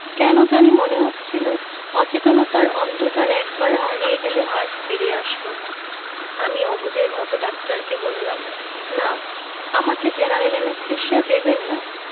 কেন জানি মনে হচ্ছিলো অচেতনতার অন্ধকারে একবার হারিয়ে গেলে আর ফিরে আসবো না আমি অবুঝের মতো ডাক্তারকে বললাম না আমাকে জেনারেল অ্যানেসথেসিয়া দেবেন না